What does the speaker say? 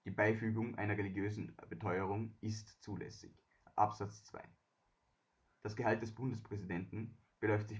Beifügung einer religiösen Beteuerung ist zulässig (Abs. 2). Das Gehalt des Bundespräsidenten beläuft